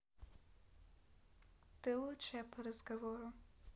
ты лучшая по разговору